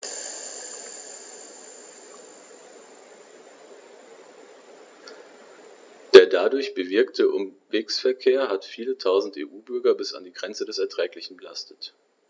Der dadurch bewirkte Umwegsverkehr hat viele Tausend EU-Bürger bis an die Grenze des Erträglichen belastet.